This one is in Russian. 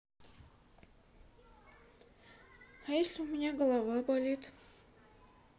а если у меня голова болит